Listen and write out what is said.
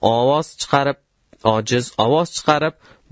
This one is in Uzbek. ojiz ovoz chiqarib